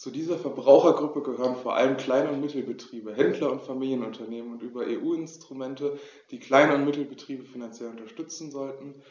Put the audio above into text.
Zu dieser Verbrauchergruppe gehören vor allem Klein- und Mittelbetriebe, Händler und Familienunternehmen, und über EU-Instrumente, die Klein- und Mittelbetriebe finanziell unterstützen sollen,